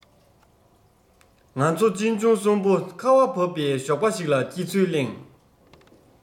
ང ཚོ གཅེན གཅུང གསུམ པོ ཁ བ བབས པའི ཞོགས པ ཞིག ལ སྐྱེ ཚུལ གླེང